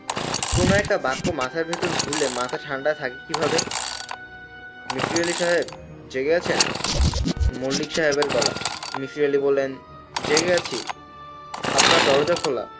কোন একটা বাক্য মাথার ভেতর ঘুরলে মাথা ঠান্ডা থাকে কিভাবে মিসির আলি সাহেব জেগে আছেন মল্লিক সাহেবের গলা মিসির আলি বললেন জেগে আছি আপনার দরজা খোলা